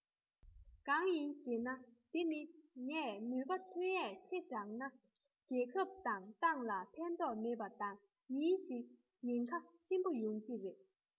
གང ཡིན ཞེ ན དེ ནི ངས ནུས པ ཐོན ཡས ཆེ དྲགས ན རྒྱལ ཁབ དང ཏང ལ ཕན ཐོགས མེད པ དང ཉིན ཞིག ཉེན ཁ ཆེན པོ ཡོང གི རེད